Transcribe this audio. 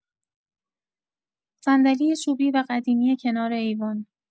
صندلی چوبی و قدیمی کنار ایوان